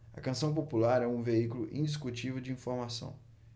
a canção popular é um veículo indiscutível de informação